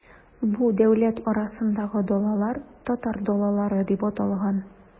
Бу дәүләт арасындагы далалар, татар далалары дип аталган.